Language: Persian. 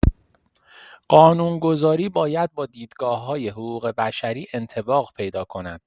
قانون‌گذاری باید با دیدگاه‌های حقوق بشری انطباق پیدا کند.